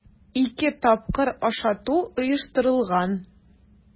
Ике тапкыр ашату оештырылган.